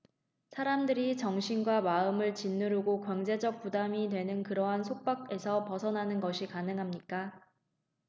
사람들이 정신과 마음을 짓누르고 경제적 부담이 되는 그러한 속박에서 벗어나는 것이 가능합니까